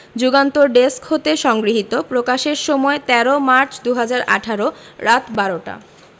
Jugantor desk হতে সংগৃহীত প্রকাশের সময় ১৩ মার্চ ২০১৮ রাত ১২:০০ টা